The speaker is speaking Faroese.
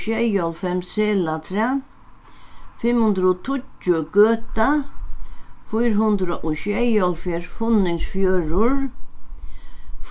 sjeyoghálvfems selatrað fimm hundrað og tíggju gøta fýra hundrað og sjeyoghálvfjerðs funningsfjørður